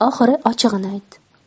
oxiri ochig'ini aytdi